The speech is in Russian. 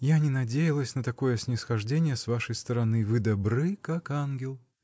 я не надеялась на такое снисхожденье с вашей стороны вы добры, как ангел.